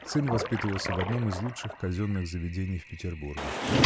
сын воспитывался в одном из лучших казенных заведений в Петербурге.